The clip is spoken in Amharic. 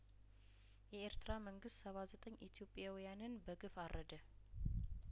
የኤርትራ መንግስት ሰባ ዘጠኝ ኢትዮጵያውያንን በግፍ አረደ